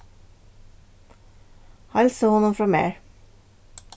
heilsa honum frá mær